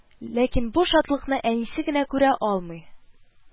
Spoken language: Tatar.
Ләкин бу шатлыкны әнисе генә күрә алмый